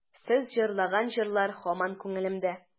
Сез җырлаган җырлар һаман күңелемдә.